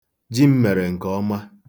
Ji m mere nke ọma.